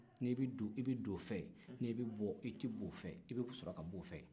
n'i bɛ don i bɛ don o fɛ n'i bɛ bɔ i bɛ b'o fɛ